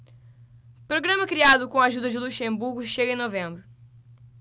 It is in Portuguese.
programa criado com a ajuda de luxemburgo chega em novembro